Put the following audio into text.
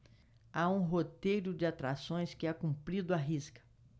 há um roteiro de atrações que é cumprido à risca